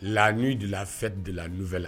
La n'u de fɛ de'ufɛ la